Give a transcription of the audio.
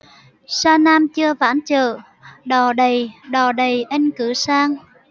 sa nam chưa vãn chợ đò đầy đò đầy anh cứ sang